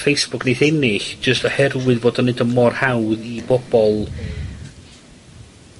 Facebook neith ennill jyst oherwydd fod o'n neud o mor hawdd i bobol